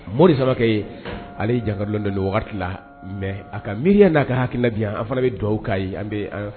Mɔ de sabakɛ ye ale jankadɔ mɛ a ka miiriya n'a ka hakili labɛn an fana bɛ dugawu ka ye an bɛ